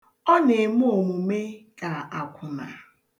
Ọ na-eme omume ka akwụna.